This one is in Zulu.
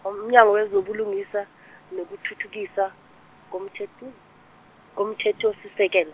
uMnyango wezoBulungisa nokuThuthukiswa koMthetho- koMthethosisekelo.